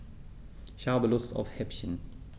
Ich habe Lust auf Häppchen.